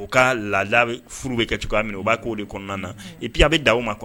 U ka la furu bɛ kɛ cogoya min u b'a' de kɔnɔna na i ppiya a bɛ da u ma